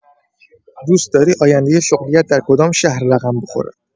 دوست‌داری آینده شغلی‌ات در کدام شهر رقم بخورد؟